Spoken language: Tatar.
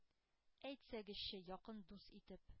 Әйтсәгезче, якын дус итеп,